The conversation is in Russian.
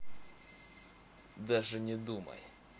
даже не думай